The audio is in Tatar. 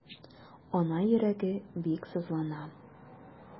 Ана йөрәге бик сызлана.